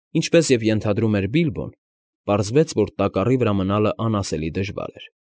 Ինչպես և ենթադրում էր Բիլբոն, պարզվեց, որ տակառի վրա մնալը անասելի դժվար էր։